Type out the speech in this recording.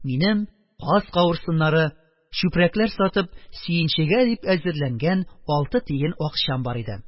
Минем, каз кавырсыннары, чүпрәкләр сатып, сөенчегә дип әзерләнгән алты тиен акчам бар иде.